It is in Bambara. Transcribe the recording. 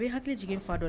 U bɛ hakili jigin fa dɔ la